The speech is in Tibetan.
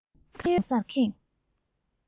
གཡས གཡོན གང སར ཁེངས